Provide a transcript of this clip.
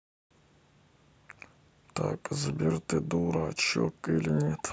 сбер ты дурачок или нет